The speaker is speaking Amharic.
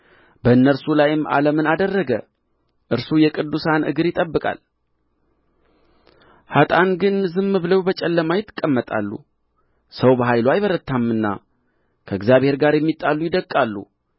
በእነርሱ ላይም ዓለምን አደረገ እርሱ የቅዱሳኑን እግር ይጠብቃል ኃጥኣን ግን ዝም ብለው በጨለማ ይቀመጣሉ ሰው በኃይሉ አይበረታምና ከእግዚአብሔር ጋር የሚጣሉ ይደቅቃሉ